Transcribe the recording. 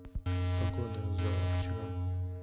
погода за вчера